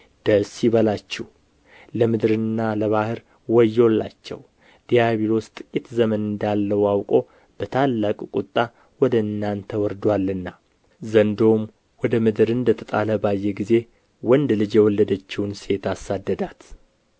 ደስ ይበላችሁ ለምድርና ለባሕር ወዮላቸው ዲያብሎስ ጥቂት ዘመን እንዳለው አውቆ በታላቅ ቍጣ ወደ እናንተ ወርዶአልና ዘንዶውም ወደ ምድር እንደ ተጣለ ባየ ጊዜ ወንድ ልጅ የወለደችውን ሴት አሳደዳት